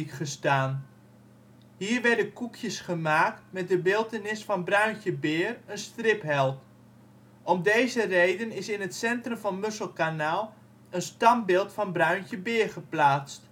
gestaan. Hier werden koekjes gemaakt met de beeltenis van Bruintje Beer, een stripheld. Om deze reden is in het centrum van Musselkanaal een standbeeld van Bruintje Beer geplaatst